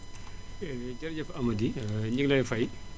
jërëjëf Amady ñu ngi lay fay